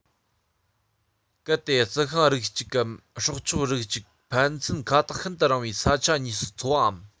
གལ ཏེ རྩི ཤིང རིགས ཅིག གམ སྲོག ཆགས རིགས ཅིག ཕན ཚུན ཁ ཐག ཤིན ཏུ རིང བའི ས ཆ གཉིས སུ འཚོ བའམ